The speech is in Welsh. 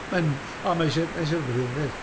Mae'n... o, mae isie mae isie rywbeth i yfed.